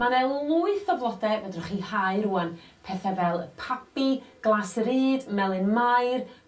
ma' 'ne lwyth o flode fedrwch chi hau rŵan pethe fel y pabi glas y ryd melyn Mair